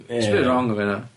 Ie. Sdim by' rong am hynna.